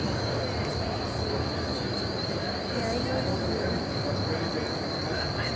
я ее люблю